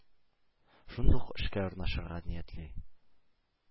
Шундук эшкә урнашырга ниятли.